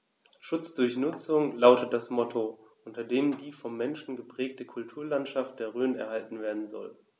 „Schutz durch Nutzung“ lautet das Motto, unter dem die vom Menschen geprägte Kulturlandschaft der Rhön erhalten werden soll.